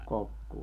kokkoa